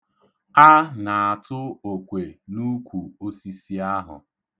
A na-atụ okwe n'ukwu osisi ahụ.